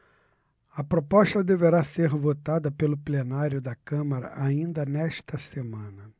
a proposta deverá ser votada pelo plenário da câmara ainda nesta semana